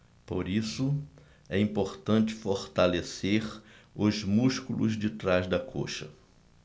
por isso é importante fortalecer os músculos de trás da coxa